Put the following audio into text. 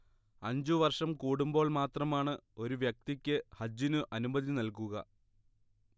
അഞ്ചു വർഷം കൂടുമ്പോൾ മാത്രമാണ് ഒരു വ്യക്തിക്ക് ഹജ്ജിനു അനുമതി നൽകുക